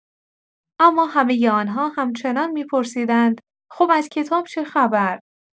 اما همه آن‌ها همچنان می‌پرسیدند: خب از کتاب چه خبر؟